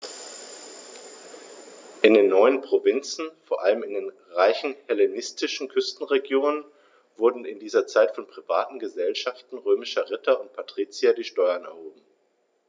In den neuen Provinzen, vor allem in den reichen hellenistischen Küstenregionen, wurden in dieser Zeit von privaten „Gesellschaften“ römischer Ritter und Patrizier die Steuern erhoben.